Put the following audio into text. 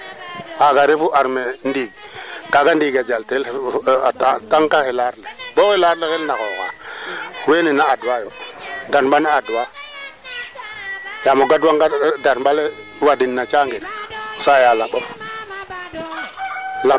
ngaw naaga no ko ga'es nar maak na refna qola xa in nar naaga mban na maaga mberogu ku i xotiid ina no ye'siin yimbanu no ngawof taagav i yera ta baya i ngeed kaa